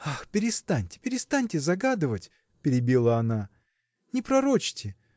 – Ах, перестаньте, перестаньте загадывать! – перебила она, – не пророчьте